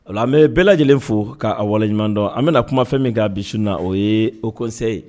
A an bɛ bɛɛ lajɛlen fo k'a waleɲumandɔn an bɛna na kumafɛn min k'a bisimila na o ye o kɔnsan ye